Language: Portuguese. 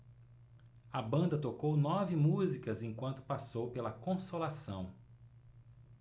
a banda tocou nove músicas enquanto passou pela consolação